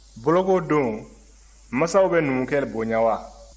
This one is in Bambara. boloko don masaw bɛ numukɛ bonya wa